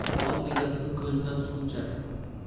mol egasining ko'zidan suv ichar